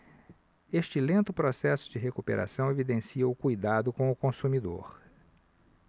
este lento processo de recuperação evidencia o cuidado com o consumidor